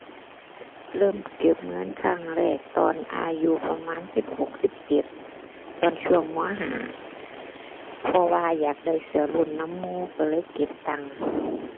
เริ่มเก็บเงินครั้งแรกตอนอายุประมาณสิบหกสิบเจ็ด ตอนช่วง ม. ห้า เพราะว่าอยากได้เสื้อรุ่นนำหมู่ก็เลยเก็บตัง